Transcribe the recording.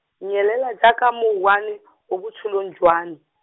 nyelela jaaka mouwane , mo botshelong jwa m-.